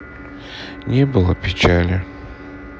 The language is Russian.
не было печали